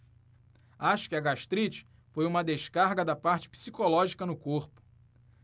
acho que a gastrite foi uma descarga da parte psicológica no corpo